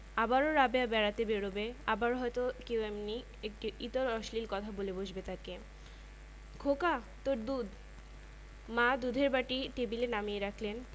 আবারও রাবেয়া বেড়াতে বেরুবে আবারো হয়তো কেউ এমনি একটি ইতর অশ্লীল কথা বলে বসবে তাকে খোকা তোর দুধ মা দুধের বাটি টেবিলে নামিয়ে রাখলেন